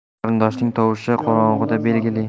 qarindoshning tovushi qorong'ida belgili